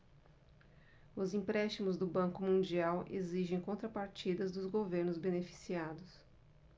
os empréstimos do banco mundial exigem contrapartidas dos governos beneficiados